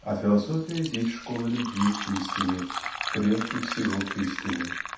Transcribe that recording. А философия есть школа любви к истине, прежде всего к истине.